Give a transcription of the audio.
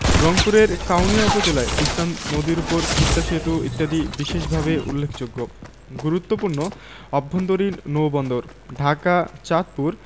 রংপুরের কাউনিয়া উপজেলায় তিস্তা নদীর উপর তিস্তা সেতু ইত্যাদি বিশেষভাবে উল্লেখযোগ্য গুরুত্বপূর্ণ অভ্যন্তরীণ নৌবন্দরঃ ঢাকা চাঁদপুর